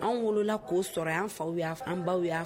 An wolola k'o sɔrɔ an faw y'a an baw y'a